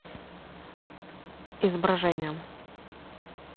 изображением